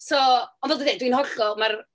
So, ond fel dwi'n deud, dwi'n hollol... ma'r...